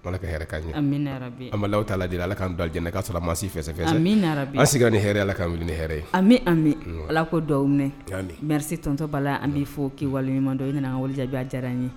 A' ka hɛrɛ ka ɲɛ an ami taa lajɛ lajɛlen ala'an da jɛ k kaa sɔrɔ maasi fɛsɛ a ase ka ni hɛrɛ ala ka wuli ni hɛrɛ an bɛ an mɛn ala ko dɔw miri tɔntɔ' la an bɛ fɔ k'i waleɲumandɔ i bɛna ka wale diyara n ye